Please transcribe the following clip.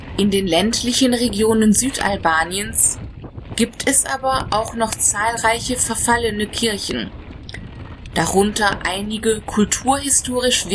In den ländlichen Regionen Südalbaniens gibt es aber auch noch zahlreiche verfallene Kirchen, darunter einige kulturhistorisch